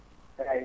eyyi